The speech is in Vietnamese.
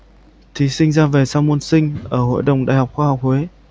thí sinh ra về sau môn sinh ở hội đồng đại học khoa học huế